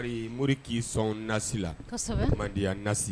Ari, Mori k'i sɔn nasi la, o man di I ye was?